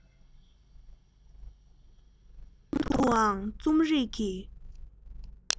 ནང དུའང རྩོམ རིག གི